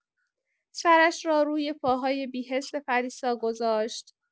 سرش را روی پاهای بی‌حس پریسا گذاشت.